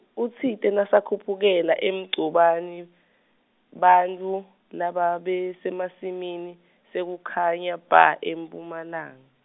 utsite nasakhuphukela emgcobani bantfu lababesemasimini sekukhanya bha eMphumalanga